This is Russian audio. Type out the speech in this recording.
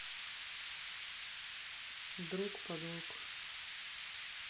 друг подруг